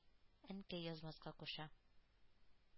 Әнкәй язмаска куша.